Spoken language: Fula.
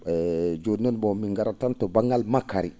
jooni noon bon min ngarat tan ton ba?ngal makkaari